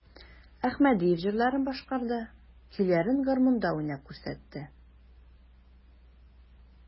Әхмәдиев җырларын башкарды, көйләрен гармунда уйнап күрсәтте.